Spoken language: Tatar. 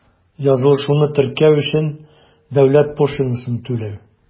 Язылышуны теркәү өчен дәүләт пошлинасын түләү.